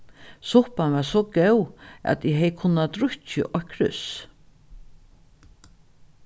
suppan var so góð at eg hevði kunnað drukkið eitt krúss